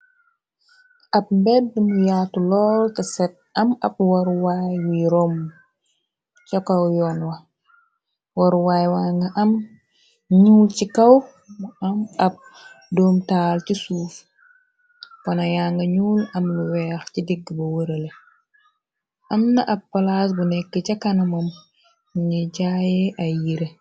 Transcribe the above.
Ab mbedda mu yaatu lool te set am ab waruwaay wuy rom ca kaw yoon wa waruwaay wa nga am ñuul ci kaw mu am ab doom taal ci suuf pona ya nga ñuul am lu weex ci digg ba wërale ëm na ab palaas bu nekk ca kanamam mu nge jaayee ay yire.